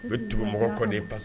U bɛ tugumɔgɔ kɔn de pasa